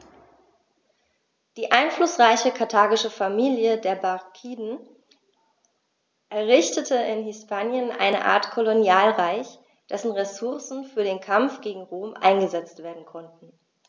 Die einflussreiche karthagische Familie der Barkiden errichtete in Hispanien eine Art Kolonialreich, dessen Ressourcen für den Kampf gegen Rom eingesetzt werden konnten.